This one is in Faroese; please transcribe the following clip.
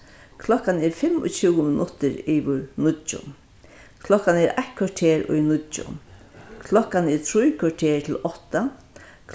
klokkan er fimmogtjúgu minuttir yvir níggju klokkan er eitt korter í níggju klokkan er trý korter til átta